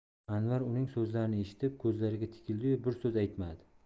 anvar uning so'zlarini eshitib ko'zlariga tikildi yu bir so'z aytmadi